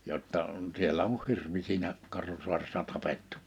jotta siellä on hirvi siinä Karhusaaressa tapettu